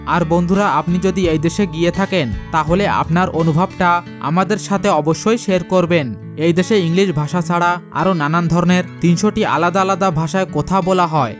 আর বন্ধুরা আপনি যদি এই দেশে গিয়ে থাকেন তাহলে আপনার অনুভবটা আমাদের সাথে অবশ্যই শেয়ার করবেন এদেশ ইংলিশ ভাষা ছাড়া আরো নানান ধরনের ৩০০ টি আলাদা আলাদা ভাষায় কথা বলা হয়